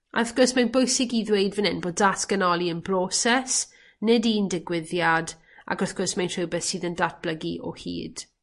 A wrth gwrs mae'n bwysig i ddweud fyn 'yn bod datganoli yn broses nid un digwyddiad ac wrth gwrs mae'n rhwbeth sydd yn datblygu o hyd.